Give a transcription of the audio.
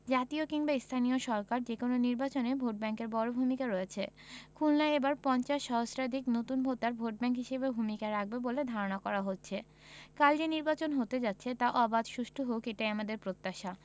জাতীয় কিংবা স্থানীয় সরকার যেকোনো নির্বাচনেই ভোটব্যাংকের বড় ভূমিকা রয়েছে খুলনায় এবার ৫০ সহস্রাধিক নতুন ভোটার ভোটব্যাংক হিসেবে ভূমিকা রাখবে বলে ধারণা করা হচ্ছে কাল যে নির্বাচন হতে যাচ্ছে তা অবাধ সুষ্ঠু হোক এটাই আমাদের প্রত্যাশা